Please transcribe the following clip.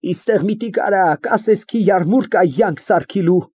Իստեղ միտիկ արա ա, կասես մի յարմուրկա յանք սարքիլու։